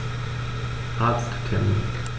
Arzttermin